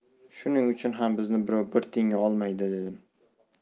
shuning uchun ham bizni birov bir tiyinga olmaydi dedim